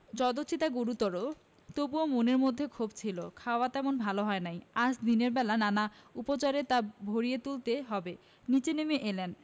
যদিচ তা গুরুতর তবু মনের মধ্যে ক্ষোভ ছিল খাওয়া তেমন ভাল হয় নাই আজ দিনের বেলা নানা উপচারে তা ভরিয়ে তুলতে হবে নীচে নেমে এলেন